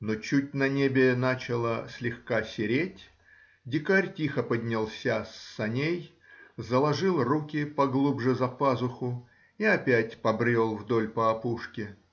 Но чуть на небе начало слегка сереть, дикарь тихо поднялся с саней, заложил руки поглубже за пазуху и опять побрел вдоль по опушке.